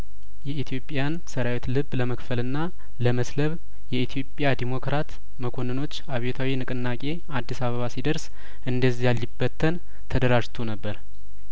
የኢትዮጵያን ሰራዊት ልብ ለመክፈልና ለመስለብ የኢትዮጵያ ዴሞክራት መኮንኖች አብዮታዊ ንቅናቄ አዲስ አበባ ሲደርስ እንደዚያ ሊበተን ተደራጅቶ ነበር